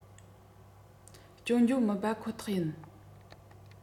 སྐྱོན བརྗོད མིན པ ཁོ ཐག ཡིན